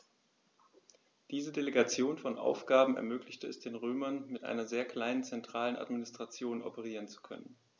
Diese Delegation von Aufgaben ermöglichte es den Römern, mit einer sehr kleinen zentralen Administration operieren zu können.